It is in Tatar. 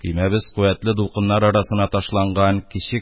Көймәбез куәтле тулкыннар арасына ташланган кечек